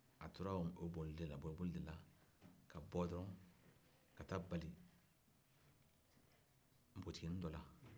a tora o boli-boli de la ka bɔ dɔrɔn ka taa bali npogotigini dɔ la